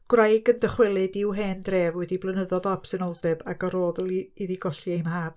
Gwraig yn dychwelyd i'w hen dref, wedi blynyddoedd o absenoldeb ac ar ôl iddi golli ei mhab.